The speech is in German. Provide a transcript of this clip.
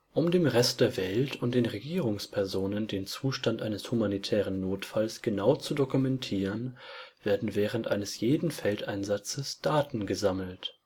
Um dem Rest der Welt und den Regierungspersonen den Zustand eines humanitären Notfalls genau zu dokumentieren, werden während eines jeden Feldeinsatzes Daten gesammelt